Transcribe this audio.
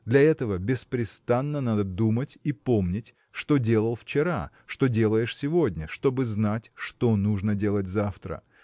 для этого беспрестанно надо думать и помнить что делал вчера что делаешь сегодня чтобы знать что нужно делать завтра